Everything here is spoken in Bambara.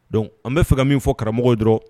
Don an bɛ fɛ ka min fɔ karamɔgɔ dɔrɔn